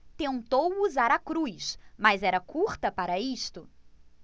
tentou usar a cruz mas era curta para isto